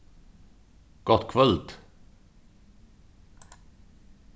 gott kvøld